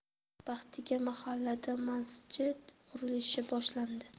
baxtiga mahallada masjid qurilishi boshlandi